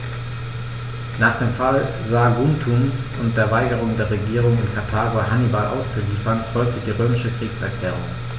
Nach dem Fall Saguntums und der Weigerung der Regierung in Karthago, Hannibal auszuliefern, folgte die römische Kriegserklärung.